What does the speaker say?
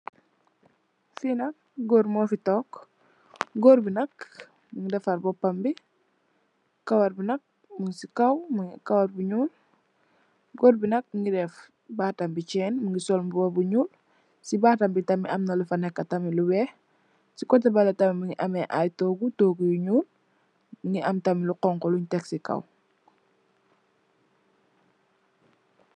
Fi nak gòor mu fi toog, gòor bi nak mungi defar boppam bi. Kawar bi nak mung ci kaw, kawar bu ñuul. Gòor bi nak mungi def bataam bi chenn, mungi sol mbuba bu ñuul. Ci bataam bi tamit amna lu fa nekka tamit lu weeh. Ci kotè balè tamit mungi ameh ay toogu, toogu yu ñuul mungi am tamit lu honku lun tek ci kaw.